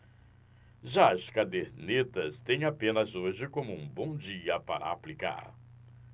já as cadernetas têm apenas hoje como um bom dia para aplicar